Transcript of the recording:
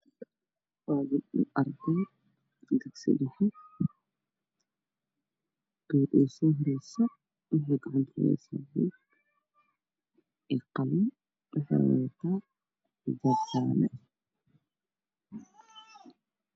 Waa gabdho ku socdo wada laami ah oo dhuusamareyso oo ay qabtaa xijaab cabdishakuur madow gabadha ka dambeysana shuku jaallac iyo xijab cad